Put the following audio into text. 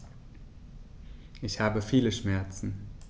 Ich habe viele Schmerzen.